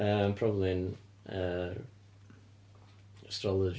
Yym probably yn yy... Astrology.